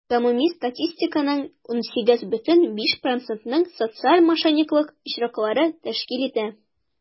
Гомуми статистиканың 18,5 процентын социаль мошенниклык очраклары тәшкил итә.